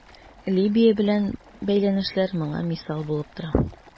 Либия белән бәйләнешләр моңа мисал булып тора.